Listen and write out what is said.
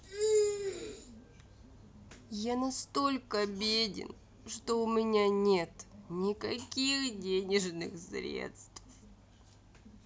я настолько беден что у меня нет никаких денежных средств